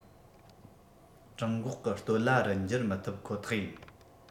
གྲང འགོག གི སྟོད ལྭ རུ འགྱུར མི ཐུབ ཁོ ཐག ཡིན